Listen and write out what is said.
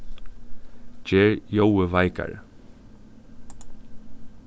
ger ljóðið veikari